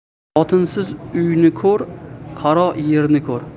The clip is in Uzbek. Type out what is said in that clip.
xotinsiz uyni ko'r qaro yerni ko'r